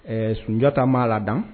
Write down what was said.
Ɛɛ Sunjata m'a ladan